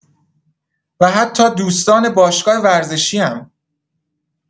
و حتی دوستان باشگاه ورزشی‌ام